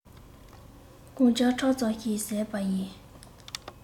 རྐང བརྒྱ ཕྲག ཙམ ཞིག བཟས པ ཡིན